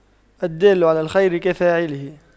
الدال على الخير كفاعله